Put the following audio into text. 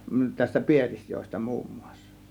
tästä Pielisjoesta muun muassa